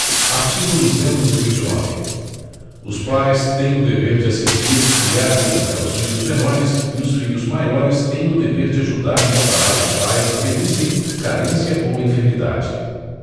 artigo duzentos e vinte e nove os pais têm o dever de assistir criar e educar os filhos menores e os filhos maiores têm o dever de ajudar e amparar os pais na velhice carência ou enfermidade